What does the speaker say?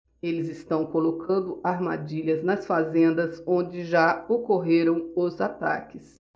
eles estão colocando armadilhas nas fazendas onde já ocorreram os ataques